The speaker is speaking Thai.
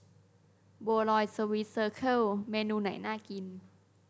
บัวลอยสวีทเซอเคิลเมนูไหนน่ากิน